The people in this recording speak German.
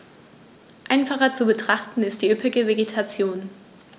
Einfacher zu betrachten ist die üppige Vegetation.